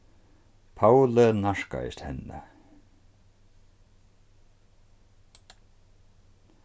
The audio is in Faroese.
pauli nærkaðist henni